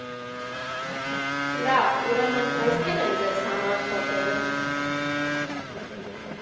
Լավ, ուրեմն ովքե՞ր են ձեզ համար թոփերը։